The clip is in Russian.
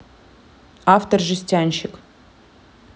автор жестянщик